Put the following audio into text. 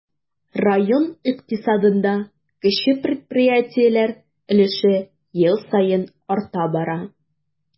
Район икътисадында кече предприятиеләр өлеше ел саен арта бара.